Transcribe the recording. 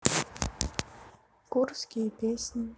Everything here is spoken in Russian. курские песни